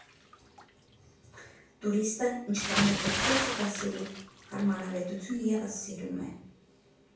«Տուրիստը ինչքան էլ էկզոտիկա սիրի՝ հարմարավետություն ևս սիրում է։